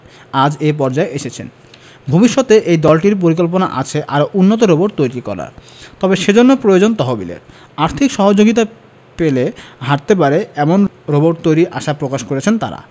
আজ এ পর্যায়ে এসেছেন ভবিষ্যতে এই দলটির পরিকল্পনা আছে আরও উন্নত রোবট তৈরি করার তবে সেজন্য প্রয়োজন তহবিলের আর্থিক সহযোগিতা পেলে হাটতে পারে এমন রোবট তৈরির আশা প্রকাশ করেছেন তারা